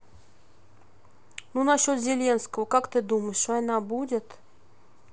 ну насчет зеленского как ты думаешь война будет